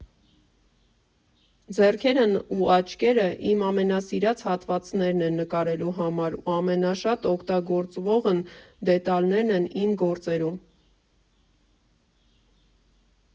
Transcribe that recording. Ձեռքերն ու աչքերը իմ ամենասիրած հատվածներն են նկարելու համար ու ամենաշատ օգտագործվողն դետալներն են իմ գործերում։